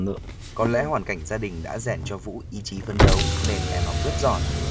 có lẽ hoàn cảnh gia đình đã rèn cho vũ ý chí phấn đấu nên em học rất giỏi